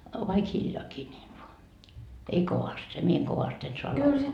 vaikka hiljaakin niin ei vaan ei kovasti se minä en kovasti en saa laulaa